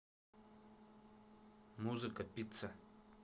музыка пицца